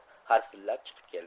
harsillab chiqib keldi